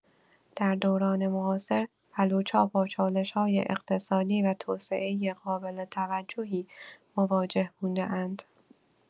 در دوران معاصر، بلوچ‌ها با چالش‌های اقتصادی و توسعه‌ای قابل توجهی مواجه بوده‌اند.